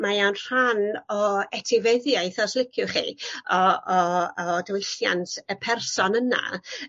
mae o'n rhan o etifeddiaeth os liciwch chi o o o diwylliant y person yna